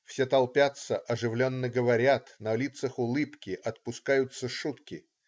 Все толпятся, оживленно говорят, на лицах улыбки, отпускаются шутки.